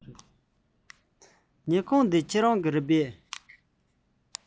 ཉལ ཁང འདི ཁྱེད རང གི རེད པས